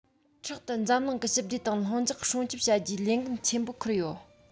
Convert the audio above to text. ཕྲག ཏུ འཛམ གླིང གི ཞི བདེ དང ལྷིང འཇགས སྲུང སྐྱོང བྱ རྒྱུའི ལས འགན ཆེན པོ ཁུར ཡོད